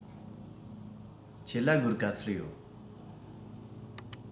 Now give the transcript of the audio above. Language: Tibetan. ཁྱེད ལ སྒོར ག ཚོད ཡོད